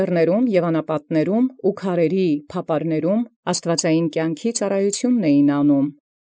Լերինս և յանապատս և ի փապարս վիմաց՝ զաստուածեղէն կրաւնիցն զծառայութիւն հարկանէին։